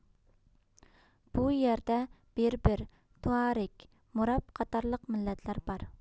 بۇ يەردە بېربېر توئارېگ مۇراب قاتارلىق مىللەتلەر بار